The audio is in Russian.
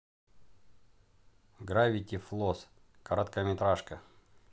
гравити фолз короткометражка